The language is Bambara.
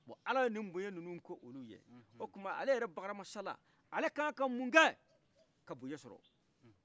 bɔn ala ye ni boyan nunnu k'olu ye o kuma ale yɛrɛ bakari masala kanka mun kɛ ka boyan sɔrɔ